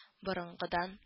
Борынгыдан